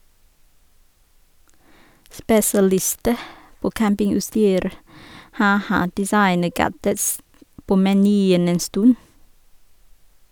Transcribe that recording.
Spesialister på campingutstyr har hatt designergadgets på menyen en stund.